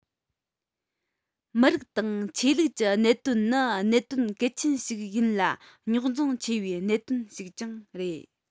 མི རིགས དང ཆོས ལུགས ཀྱི གནད དོན ནི གནད དོན གལ ཆེན ཞིག ཡིན ལ རྙོག འཛིང ཆེ བའི གནད དོན ཞིག ཀྱང རེད